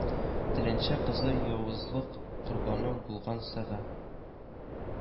Теләнче кызы , явызлык корбаны булган Сәга